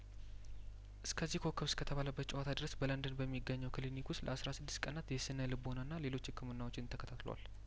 እስከዚህ ኮከብ እስከተባለበት ጨዋታ ድረስ በለንደን በሚገኘው ክሊኒክ ውስጥ ለአስራ ስድስት ቀናት የስነልቦናና ሌሎች ህክምናዎችን ተከታትሏል